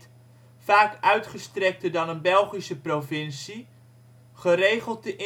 vaak uitgestrekter dan een Belgische provincie - geregeld te